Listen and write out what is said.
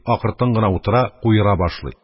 Акыртын гына утыра, куера башлый.